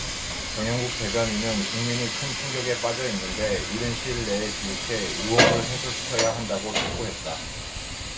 정연국 대변인은 국민이 큰 충격에 빠져 있는데 이른 시일 내에 귀국해 의혹을 해소시켜야 한다고 촉구했다